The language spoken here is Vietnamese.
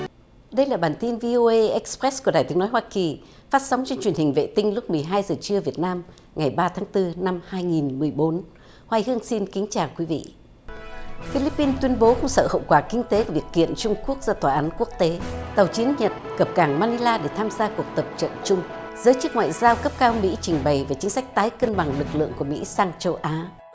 đây là bản tin vi ô ây ích pờ rét của đài tiếng nói hoa kỳ phát sóng trên truyền hình vệ tinh lúc mười hai giờ trưa việt nam ngày ba tháng tư năm hai nghìn mười bốn hoài hương xin kính chào quý vị phi líp pin tuyên bố không sợ hậu quả kinh tế của việc kiện trung quốc ra tòa án quốc tế tàu chiến nhật cập cảng ma ni la để tham gia cuộc tập trận chung giới chức ngoại giao cấp cao mỹ trình bày về chính sách tái cân bằng lực lượng của mỹ sang châu á